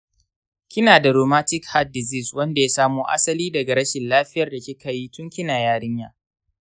kina da rheumatic heart disease wanda ya samo asali daga rashin lafiyar da kika yi tun kina yarinya.